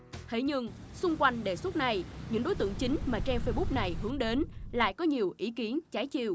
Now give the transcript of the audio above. thế nhưng xung quanh đề xuất này những đối tượng chính mà trang phây búc này hướng đến lại có nhiều ý kiến trái chiều